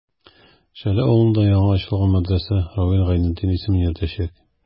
Шәле авылында яңа ачылган мәдрәсә Равил Гайнетдин исемен йөртәчәк.